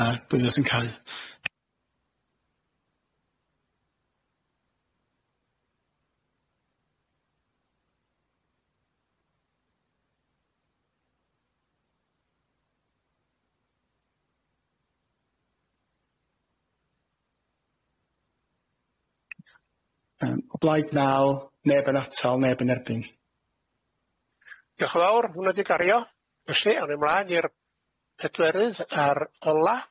A bleidlais yn cau. Yym o blaid naw neb yn atal neb yn erbyn. Diolch yn fawr, hwnna di cario. Felly awn ni mlaen i'r pedwerydd a'r ola.